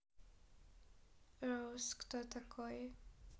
ross кто такой